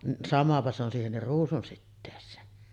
niin samapa se on siihenkin ruusunsiteeseen